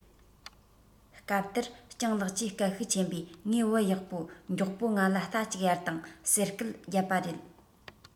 སྐབས དེར སྤྱང ལགས ཀྱིས སྐད ཤུགས ཆེན པོས ངའི བུ ཡག པོ མགྱོགས པོ ང ལ རྟ གཅིག གཡར དང ཟེར སྐད རྒྱབ པ རེད